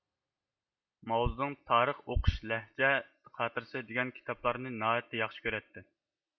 ماۋزېدۇڭ تارىخ ئوقۇش لەھجە خاتىرىسى دېگەن كىتابلارنى ناھايىتى ياخشى كۆرەتتى